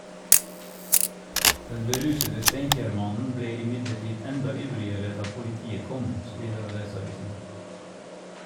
Den berusede Steinkjer-mannen ble imidlertid enda ivrigere da politiet kom , skriver Adresseavisen.